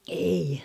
ei